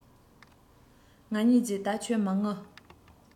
ང གཉིས ཀྱིས ད ཁྱོད མ ངུ